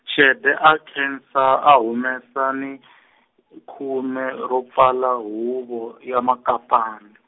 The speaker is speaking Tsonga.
Xede a nkhensa a humesa ni , khume ro pfala huvo ya Makapana.